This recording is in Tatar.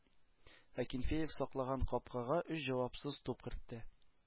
Акинфеев саклаган капкага өч җавапсыз туп кертте.